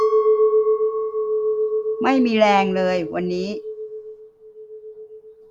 ไม่มีแรงเลยวันนี้